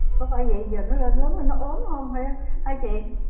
có phải dậy giờ nó lên lớn lên nó ốm hông hay á hả chị